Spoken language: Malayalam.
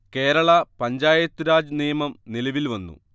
കേരളാ പഞ്ചായത്ത് രാജ് നിയമം നിലവിൽ വന്നു